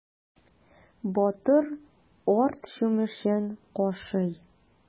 Батыр арт чүмечен кашый.